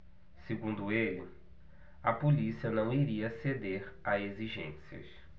segundo ele a polícia não iria ceder a exigências